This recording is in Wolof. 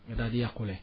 nga daal di yàqule